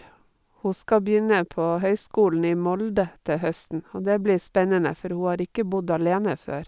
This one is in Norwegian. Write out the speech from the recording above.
Hun skal begynne på høyskolen i Molde til høsten, og det blir spennende, for hun har ikke bodd alene før.